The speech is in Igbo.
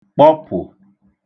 kpọpụ̀